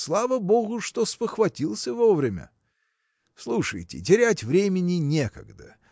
слава богу, что спохватился вовремя. Слушайте: терять времени некогда